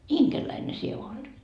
inkeriläinen sinä olet